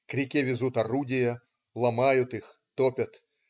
К реке везут орудия, ломают их, топят.